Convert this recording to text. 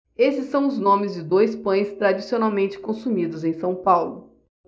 esses são os nomes de dois pães tradicionalmente consumidos em são paulo